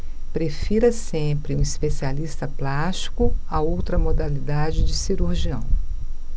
prefira sempre um especialista plástico a outra modalidade de cirurgião